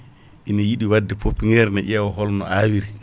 ina yiɗi wadde popiniére ne ƴewa holno awiri